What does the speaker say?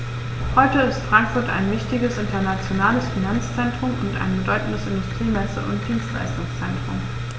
Heute ist Frankfurt ein wichtiges, internationales Finanzzentrum und ein bedeutendes Industrie-, Messe- und Dienstleistungszentrum.